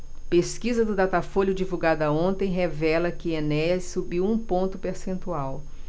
pesquisa do datafolha divulgada ontem revela que enéas subiu um ponto percentual